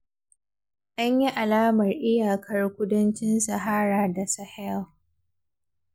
An yi alamar iyakar kudancin Sahara da Sahel